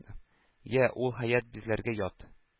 Йә ул хәят безләргә ят...